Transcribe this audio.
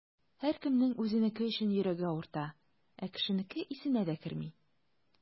Һәркемнең үзенеке өчен йөрәге авырта, ә кешенеке исенә дә керми.